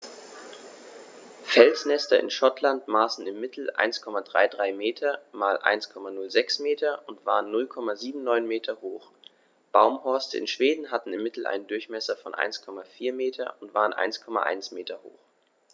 Felsnester in Schottland maßen im Mittel 1,33 m x 1,06 m und waren 0,79 m hoch, Baumhorste in Schweden hatten im Mittel einen Durchmesser von 1,4 m und waren 1,1 m hoch.